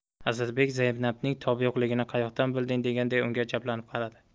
asadbek zaynabning tobi yo'qligini qayoqdan bilding deganday unga ajablanib qaradi